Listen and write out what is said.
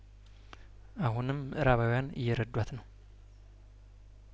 አሁንም ምእራባዊያን እየረዷት ነው